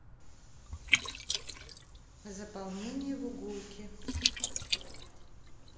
затопление в угулке